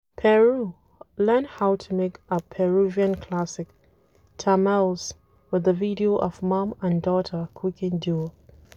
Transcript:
Peru – Learn how to make a Peruvian classic, tamales, with this video of mom and daughter cooking duo.